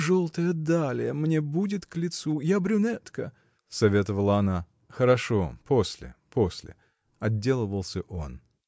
— Желтая далия мне будет к лицу — я брюнетка! — советовала она. — Хорошо, после, после! — отделывался он.